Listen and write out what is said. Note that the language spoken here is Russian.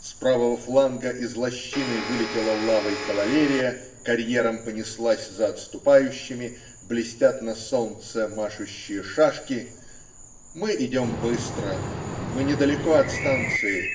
С правого фланга, из лощины вылетела лавой кавалерия, карьером понеслась за отступающими, блестят на солнце машущие шашки. Мы идем быстро. Мы недалеко от станции.